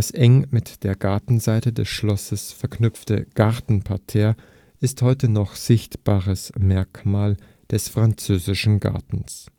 eng mit der Gartenseite des Schlosses verknüpfte Gartenparterre ist ein heute noch sichtbares Merkmal des französischen Gartens